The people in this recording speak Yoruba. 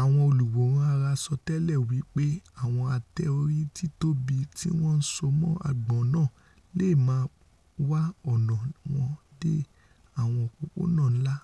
Àwọn olùwòran àrà sọtẹ́lẹ̀ wí pé àwọn ate-ori títóbi tíwọn ńsomó àgbọ̀n náà leè máa wá ọ̀nà wọn dé àwọn òpópónà ńlá